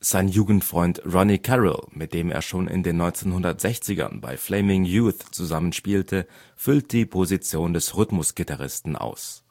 Sein Jugendfreund Ronnie Caryl, mit dem er schon in den 1960ern bei Flaming Youth zusammenspielte, füllt die Position des Rhythmusgitarristen aus.